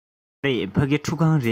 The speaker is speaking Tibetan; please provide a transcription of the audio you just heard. མ རེད ཕ གི ཁྲུད ཁང རེད